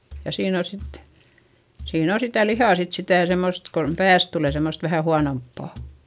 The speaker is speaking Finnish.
ja siinä on sitten siinä on sitä lihaa sitten sitä semmoista kun päästä tulee semmoista vähän huonompaa